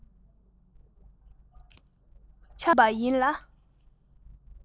ཆགས ཟིན པ ཡིན ལ